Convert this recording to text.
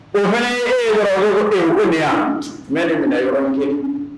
O fana ye e ye dɔrɔn a ko ni wa ? n bɛ ni minɛ yɔrɔni kelen.